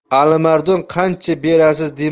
alimardon qancha berasiz